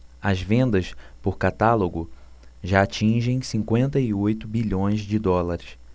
as vendas por catálogo já atingem cinquenta e oito bilhões de dólares